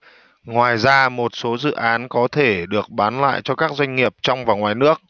ngoài ra một số dự án có thể được bán lại cho các doanh nghiệp trong và ngoài nước